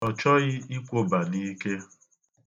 Ọ chọghị ikwoba n'ike.